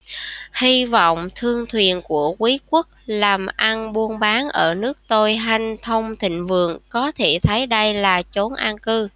hy vọng thương thuyền của quý quốc làm ăn buôn bán ở nước tôi hanh thông thịnh vượng có thể thấy đây là chốn an cư